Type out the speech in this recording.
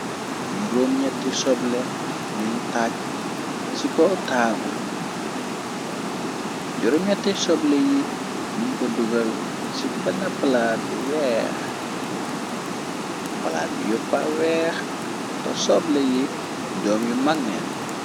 Ci kobljuróomyetti soble yi niñ ko dugal ci pna palaat bu weex palaat bi yoppa weex ta soble yi doom yu mag neen.